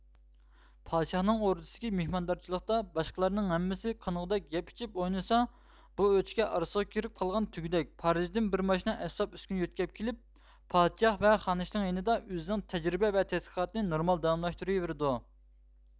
پادىشاھنىڭ ئوردىسىدىكى مېھماندارچىلىقتا باشقىلارنىڭ ھەممىسى قانغۇەك يەپ ئىچىپ ئوينىسا ئۇ ئۆچكە ئارىسىغا كىرىپ قالغان تۆگىدەك پارىژدىن بىر ماشىنا ئەسۋاب ئۈسكۈنە يۆتكەپ كېلىپ پادىشاھ ۋە خانىشنىڭ يېنىدا ئۆزىنىڭ تەجرىبە ۋە تەتقىقاتىنى نورمال داۋاملاشتۇرىۋېرىدۇ